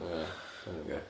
O ia ocê.